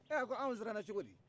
ɛ a ko anw siranna cogo di